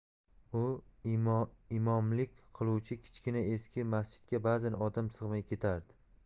u imomlik qiluvchi kichkina eski masjidga ba'zan odam sig'may ketardi